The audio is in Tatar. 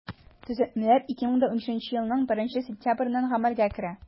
Төзәтмәләр 2015 елның 1 сентябреннән гамәлгә керә.